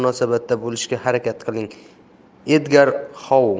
munosabatda bo'lishga harakat qiling edgar xou